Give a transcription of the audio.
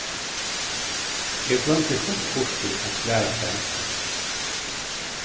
eg gloymdi heilt burtur at svara tær